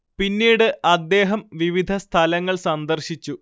പിന്നീട് അദ്ദേഹം വിവിധ സ്ഥലങ്ങൾ സന്ദർശിച്ചു